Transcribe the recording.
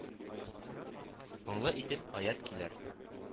Моңлы итеп аять көйләр